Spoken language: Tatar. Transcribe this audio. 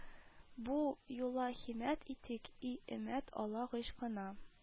Бу юла һиммәт итик, и өммәт, Алла гыйшкына;